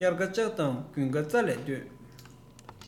དབྱར ཁ ལྕགས དང དགུན ཁ རྫ ལ ལྟོས